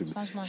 changement